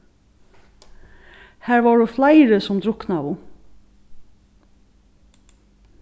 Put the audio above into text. har vóru fleiri sum druknaðu